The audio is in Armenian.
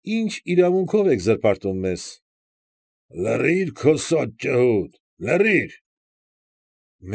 Ի՞նչ իրավունքով եք զրպարտում մեզ։ ֊ Լռի՛ր, քոսոտ ջհուդ, լռի՛ր։